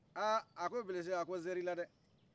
ahh a ko bilisi a ko nser'ila dɛhh